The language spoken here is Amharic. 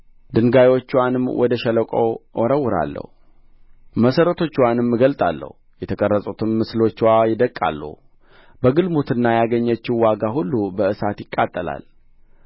ድንጋዮችዋንም ወደ ሸለቆ እወረውራለሁ መሠረቶችዋንም እገልጣለሁ የተቀረጹትም ምስሎችዋ ይደቅቃሉ በግልሙትና ያገኘችው ዋጋ ሁሉ በእሳት ይቃጠላል